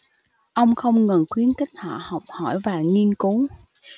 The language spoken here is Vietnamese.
ông không ngừng khuyến khích họ học hỏi và nghiên cứu